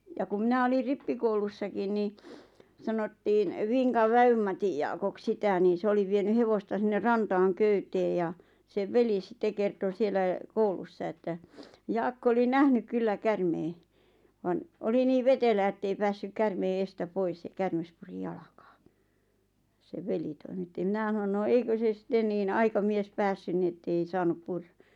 ja kun minä olin rippikoulussakin niin sanottiin Vinkan Vävy-Matin Jaakoksi sitä niin se oli vienyt hevosta sinne rantaan köyteen ja sen veli sitten kertoi siellä koulussa että Jaakko oli nähnyt kyllä käärmeen vaan oli niin vetelää että ei päässyt käärmeen edestä pois ja käärme puri jalkaan sen veli toimitti minä sanoin no eikö se sitten niin aikamies päässyt niin että ei saanut purra